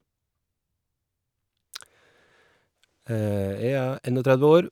Jeg er en_og_tredve år.